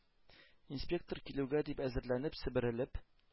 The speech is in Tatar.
Инспектор килүгә дип әзерләнеп себерелеп